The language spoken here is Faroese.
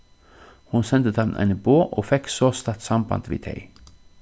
hon sendi teimum eini boð og fekk sostatt samband við tey